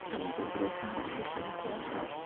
ma' 'na ryw ddrws arall ella'n medru agor